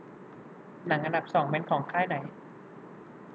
หนังอันดับสองเป็นของค่ายไหน